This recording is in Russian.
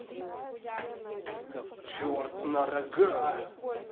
черт на рога